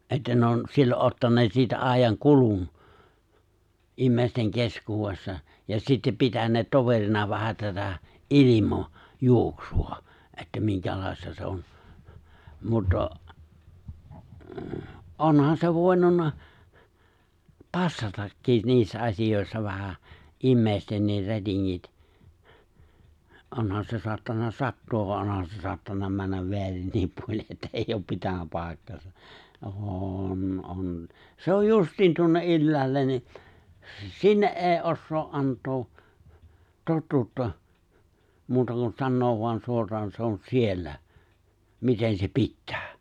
että ne on silloin ottaneet siitä ajankulun ihmisten keskuudessa ja sitten pitäneet toverina vähän tätä - ilmajuoksua että minkälaista se on mutta onhan se voinut passatakin niissä asioissa vähän ihmistenkin rätingit onhan se saattanut sattua vaan onhan se saattanut mennä väärinkin puolin että ei ole pitänyt paikkaansa on on se on justiin tuonne ylhäälle niin - sinne ei osaa - antaa totuutta muuta kuin sanoa vain suoraan se on siellä miten se pitää